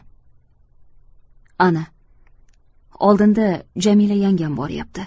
ana oldinda jamila yangam boryapti